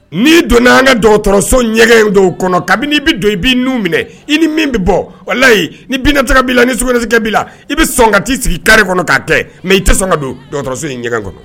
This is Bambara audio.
N'i donna an ŋa dɔgɔtɔrɔso ɲɛgɛn dɔw kɔnɔ kabini i bi don i b'i nun minɛ i ni min bi bɔ walahi ni binnataga b'i la ni sugunɛ s kɛ b'i la i bi sɔn ka t'i sigi carré kɔnɔ k'a kɛ mais i tɛ sɔn ŋa don dɔgɔtɔrɔso in ɲɛgɛn kɔnɔ